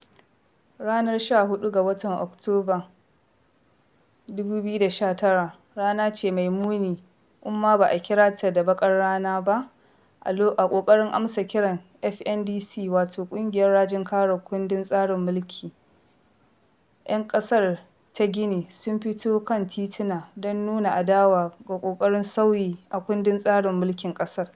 Ranar 14 ga watan Oktoba 2019 rana ce mai muni in ma ba a kira ta da baƙar rana ba, a ƙoƙarin amsa kiran FNDC [wato ƙungiyar Rajin Kare Kundin Tsarin Mulki] 'yan ƙasar ta Gini sun fito kan titina don nuna adawa ga ƙoƙarin sauyi a kundin tsarin mulkin ƙasar.